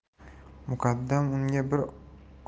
muqaddam unga bir